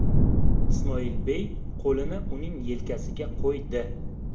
ismoilbey qo'lini uning yelkasiga qo'ydi